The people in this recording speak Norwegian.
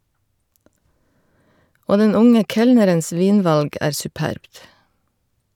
Og den unge kelnerens vinvalg er superbt.